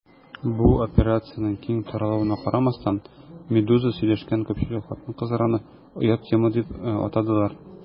Бу операциянең киң таралуына карамастан, «Медуза» сөйләшкән күпчелек хатын-кызлар аны «оят тема» дип атадылар.